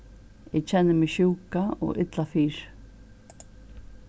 eg kenni meg sjúka og illa fyri